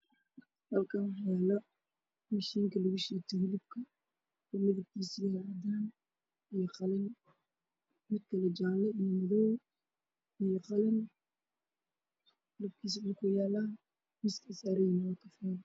Halkaan waxaa yaalo mishiinka lugu shiito hilibka midabkiisu waa cadaan iyo qalin, mid kale jaale iyo madow, qalin qolofkiisa dhulka uu yaalaa miiska uu saaran yahay waa kafay.